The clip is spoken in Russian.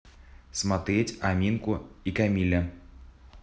смотреть аминку и камиля